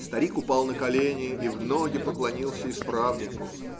Старик упал на колени и в ноги поклонился исправнику.